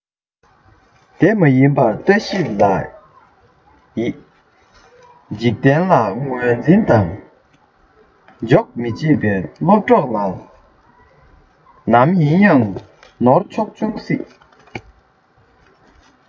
དེ མ ཡིན པར ལྟ ཞིབ ལ ཡིད འཇིག རྟེན ལ ངོས འཛིན དང ཇོག མི བྱེད པའི སློབ གྲོགས ལ ནམ ཡིན ཡང ནོར འཕྱུགས འབྱུང སྲིད